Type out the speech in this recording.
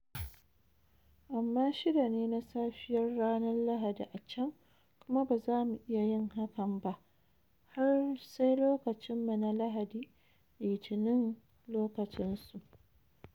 "Amma shida ne na safiyar ranar Lahadi a can, kuma ba za mu iya yin hakan ba har sai lokacin mu na Lahadi, Litinin lokacin su.